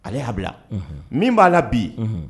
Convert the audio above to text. Ale y'a bila min b'a la bi yen